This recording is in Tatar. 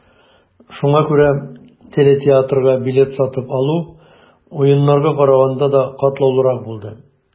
Шуңа күрә телетеатрга билет сатып алу, Уеннарга караганда да катлаулырак булды.